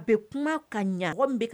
A bɛ kuma ka ɲɛ, mɔgɔ min bɛ